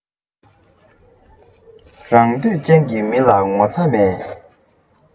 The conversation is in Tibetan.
རང འདོད ཅན གྱི མི ལ ངོ ཚ མེད